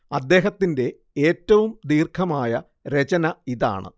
അദ്ദേഹത്തിന്റെ ഏറ്റവും ദീർഘമായ രചന ഇതാണ്